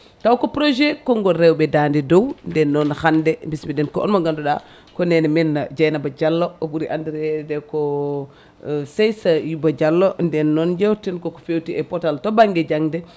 taw ko projet kongngol rewɓe daade dow nden noon hande bismiɗen ko on mo gaduɗa ko nene men Deiynaba Diallo o ɓuuri andirede ko Seysayuba Diallo nden noon jewteten koko fewti e pootal to banggue jangde